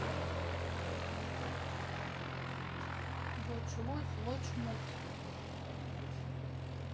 Ոչ լույս, ոչ մութ։